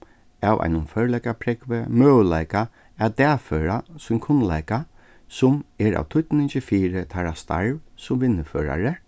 av einum førleikaprógvi møguleika at dagføra sín kunnleika sum er av týdningi fyri teirra starv sum vinnuførari